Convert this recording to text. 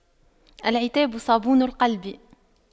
العتاب صابون القلب